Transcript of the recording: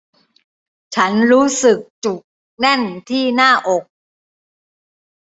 ฉันรู้สึกจุกแน่นที่หน้าอก